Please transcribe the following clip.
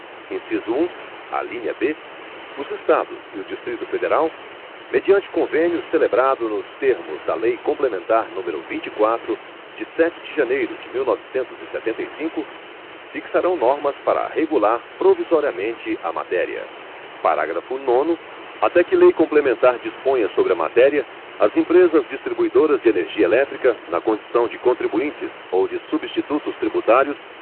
inciso um alínea b os estados e o distrito federal mediante convênio celebrado nos termos da lei complementar número vinte e quatro de sete de janeiro de mil e novecentos e setenta e cinco fixarão normas para regular provisoriamente a matéria parágrafo nono até que lei complementar disponha sobre a matéria as empresas distribuidoras de energia elétrica na condição de contribuintes ou de substitutos tributários